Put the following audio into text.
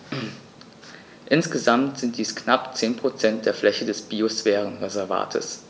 Insgesamt sind dies knapp 10 % der Fläche des Biosphärenreservates.